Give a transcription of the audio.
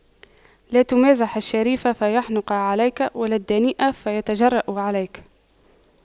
لا تمازح الشريف فيحنق عليك ولا الدنيء فيتجرأ عليك